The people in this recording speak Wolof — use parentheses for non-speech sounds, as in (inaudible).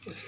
(hesitation)